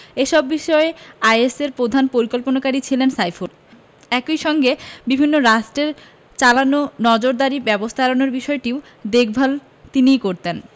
এসব বিষয়ে আইএসের প্রধান পরিকল্পনাকারী ছিলেন সাইফুল একই সঙ্গে বিভিন্ন রাষ্ট্রের চালানো নজরদারি ব্যবস্থা এড়ানোর বিষয়টিও দেখভাল তিনিই করতেন